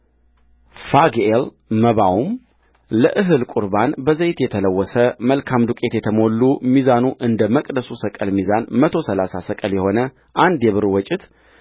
ፋግኤልመባውም ለእህል ቍርባን በዘይት የተለወሰ መልካም ዱቄት የተሞሉ ሚዛኑ እንደ መቅደሱ ሰቅል ሚዛን መቶ ሠላሳ ሰቅል የሆነ አንድ የብር ወጭት